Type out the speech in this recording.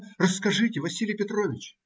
Расскажите, Василий Петрович!